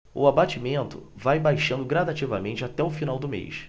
o abatimento vai baixando gradativamente até o final do mês